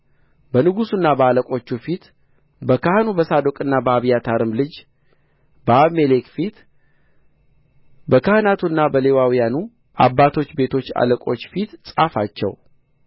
በንጉሡና በአለቆቹ ፊት በካህኑ በሳዶቅና በአብያታርም ልጅ በአቢሜሌክ ፊት በካህናቱና በሌዋውያኑ አባቶች ቤቶች አለቆች ፊት ጻፋቸው